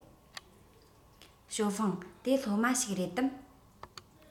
ཞའོ ཧྥུང དེ སློབ མ ཞིག རེད དམ